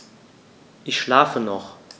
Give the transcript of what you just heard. Ich schlafe noch.